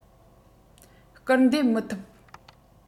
སྐུལ འདེད མི ཐུབ